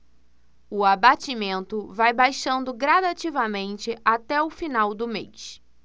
o abatimento vai baixando gradativamente até o final do mês